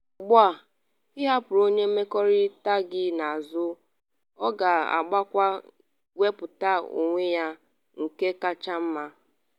Ugbu a, ịhapụrụ onye mmekọrịta gị n’azụ ọ ga-agakwa wepụta onwe ya nke kacha mma.”